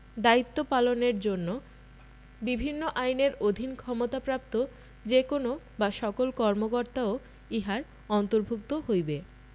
দায়িত্ব পালনের জন্য বিভিন্ন আইনের অধীন ক্ষমতাপ্রাপ্ত যে কোন বা সকল কর্মকর্তাও ইহার অন্তর্ভুক্ত হইবে